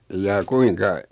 jaa kuinka